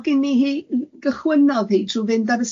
Wel, o'dd gini hi n- gychwynnodd hi trwy fynd ar y